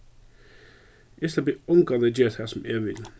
eg sleppi ongantíð at gera tað sum eg vil